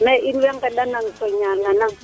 me in way ngenda nang to ñana nang